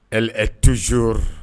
Elle est toujours